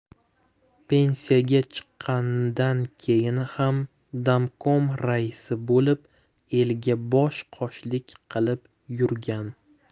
pensiyaga chiqqanidan keyin ham domkom raisi bo'lib elga bosh qoshlik qilib yurgan